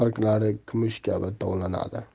barglari kumush kabi tovlanadi